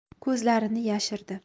ko'zlarini yashirdi